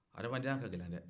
hadamadenya ka gɛlɛn de